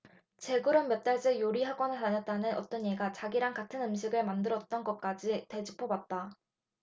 제굴은 몇 달째 요리 학원 다녔다는 어떤 애가 자기랑 같은 음식 만들던 것까지 되짚어봤다